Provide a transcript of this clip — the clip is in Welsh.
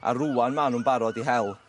a rŵan ma' nw'n barod i hel.